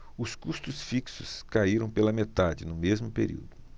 os custos fixos caíram pela metade no mesmo período